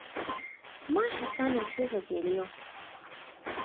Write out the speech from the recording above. маша саня ксюша кирилл